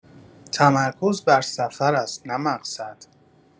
تمرکز بر سفر است نه مقصد